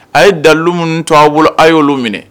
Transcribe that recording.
A ye daluun to aa bolo a y' oluolu minɛ